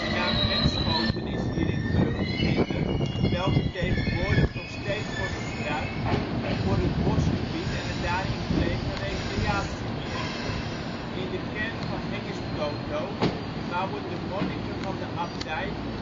naam Henschoten is hierin terug te vinden welke tegenwoordig nog steeds wordt gebruikt voor het bosgebied en het daarin gelegen recreatiemeer. In de kern van Hengistcoto bouwen de monniken van de abdij een curtis